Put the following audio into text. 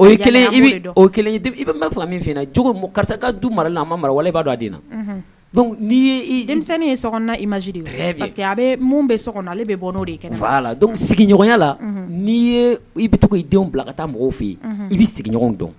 o ye kelen o i bɛ fila min cogo karisa ka du mara'a ma mara wale b'a dɔn a de na n'i iminin ye so i ma parce que a bɛ mun bɛ so na ale bɛ bɔ n' de kɛ faa la sigiɲɔgɔnyala n'i ye i bɛ tɔgɔ i denw bila ka taa mɔgɔw fɛ yen i bɛ sigiɲɔgɔn dɔn